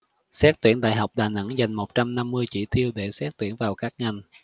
xét tuyển đại học đà nẵng dành một trăm năm mươi chỉ tiêu để xét tuyển vào các ngành